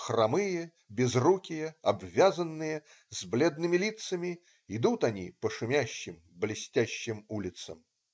Хромые, безрукие, обвязанные, с бледными лицами, идут они по шумящим, блестящим улицам.